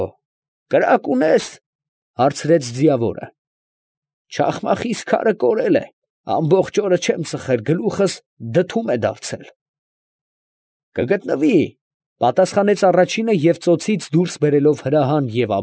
Կրակ ունե՞ս, ֊ հարցրեց ձիավորը. ֊ չախմախիս քարը կորել է, ամբողջ օր չեմ ծխել, գլուխս դդում է դարձել։ ֊ Կգտնվի, ֊ պատասխանեց առաջինը, և ծոցից դուրս բերելով հրահան ու։